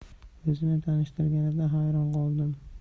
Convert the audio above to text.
o'zini tanishtirganida hayron qoldim